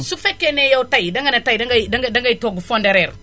su fekkee ne yow tay danga ne tey dangay dangay dangay togg fonde reer